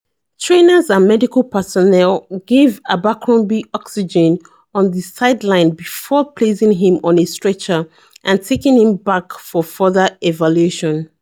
Trainers and medical personnel gave Abercrombie oxygen on the sideline before placing him on a stretcher and taking him back for further evaluation.